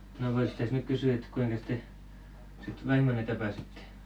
no voikos tässä nyt kysyä että kuinkas te sitten vaimonne tapasitte